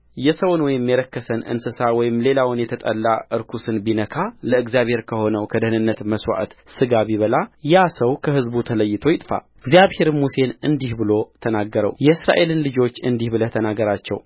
የሰውን ወይም የረከሰን እንስሳ ወይም ሌላውን የተጠላ ርኩስን ቢነካ ለእግዚአብሔርም ከሆነው ከደኅንነት መሥዋዕት ሥጋ ቢበላ ያ ሰው ከሕዝቡ ተለይቶ ይጥፋ እግዚአብሔርም ሙሴን እንዲህ ብሎ ተናገረውየእስራኤልን ልጆች እንዲህ ብለህ ተናገራቸው